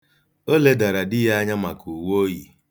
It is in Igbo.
O ledara di ya anya maka uwe o yi